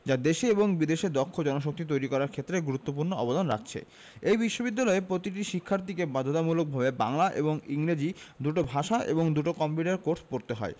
যা দেশে এবং বিদেশে দক্ষ জনশক্তি তৈরি করার ক্ষেত্রে গুরুত্বপূর্ণ অবদান রাখছে এই বিশ্ববিদ্যালয়ে প্রতিটি শিক্ষার্থীকে বাধ্যতামূলকভাবে বাংলা এবং ইংরেজি দুটো ভাষা এবং দুটো কম্পিউটার কোর্স পড়তে হয়